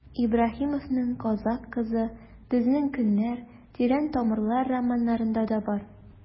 Ибраһимовның «Казакъ кызы», «Безнең көннәр», «Тирән тамырлар» романнарында да бар.